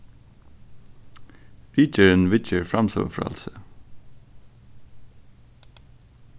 ritgerðin viðger framsøgufrælsi